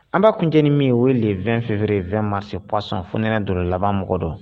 Anba kunteni min weele de2fɛere2ma se walasasɔn fnna donna laban mɔgɔ dɔn